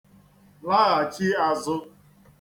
laghàchi āzụ̄